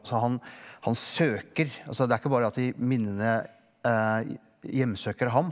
så han han søker altså det er ikke bare at de minnene hjemsøker ham.